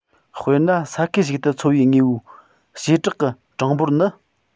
དཔེར ན ས ཁུལ ཞིག ཏུ འཚོ བའི དངོས པོའི བྱེ བྲག གི གྲངས འབོར ནི